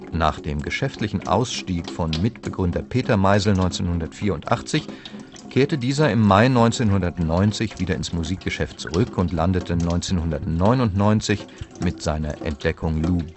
Nach dem geschäftlichen Ausstieg von Mitgründer Peter Meisel 1984 kehrte dieser im Mai 1990 wieder ins Musikgeschäft zurück und landete 1999 mit seiner Entdeckung Lou